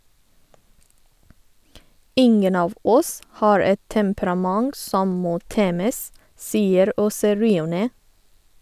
Ingen av oss har et temperament som må temmes, vsier Åse Riaunet.